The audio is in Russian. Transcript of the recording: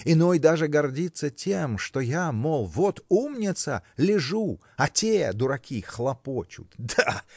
Иной даже гордится тем, что я, мол, вот умница -- лежу, а те, дураки, хлопочут. Да!